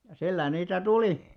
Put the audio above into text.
ja sillä niitä tuli